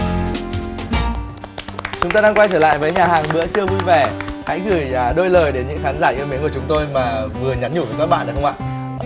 chúng ta đang quay trở lại với nhà hàng bữa trưa vui vẻ hãy gửi đôi lời đến những khán giả yêu mến của chúng tôi mà vừa nhắn nhủ với các bạn được không ạ